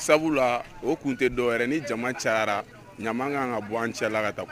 Sabula o tun tɛ dɔw wɛrɛ ni jama cayara ɲama kan ka bɔ an cɛ la ka taa